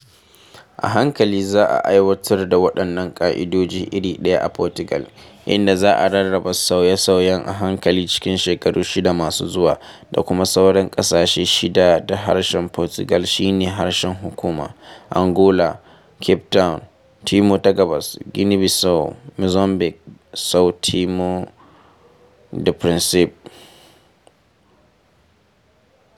A hankali za a aiwatar da waɗannan ƙa’idoji iri ɗaya a Portugal, inda za a rarraba sauye-sauyen a hankali cikin shekarun shida masu zuwa, da kuma sauran ƙasashe shida da harshen Portugal shi ne harshen hukuma: Angola, Cape Verde, Timor ta Gabas, Guinea-Bissau, Mozambique, da São Tomé da Príncipe.